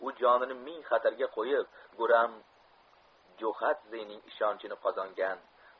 v jonini ming xatarga qo'yib guram jo'xadzening ishonchini qozongan